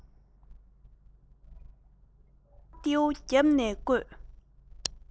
སྟ མ སྟེའུ བརྒྱབ ནས བརྐོས